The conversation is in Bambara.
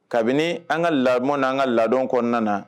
Kabini an ka lam ni' an ka ladon kɔnɔna na